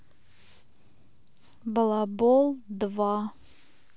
балабол два